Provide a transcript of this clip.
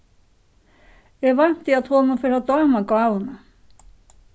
eg vænti at honum fer at dáma gávuna